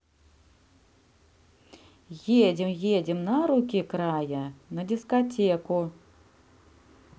едем едем на руки края на дискотеку